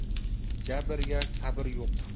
jabrga sabr yo'q